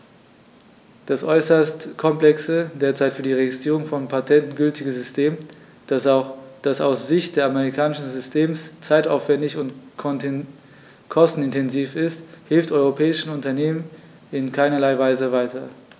Das äußerst komplexe, derzeit für die Registrierung von Patenten gültige System, das aus Sicht des amerikanischen Systems zeitaufwändig und kostenintensiv ist, hilft europäischen Unternehmern in keinerlei Weise weiter.